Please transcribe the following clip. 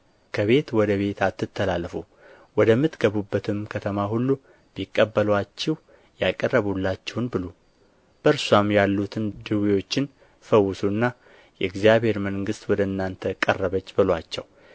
ከቤት ወደ ቤት አትተላለፉ ወደምትገቡባትም ከተማ ሁሉ ቢቀበሉአችሁ ያቀረቡላችሁን ብሉ በእርስዋም ያሉትን ድውዮችን ፈውሱና የእግዚአብሔር መንግሥት ወደ እናንተ ቀረበች በሉአቸው